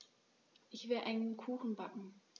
Ich will einen Kuchen backen.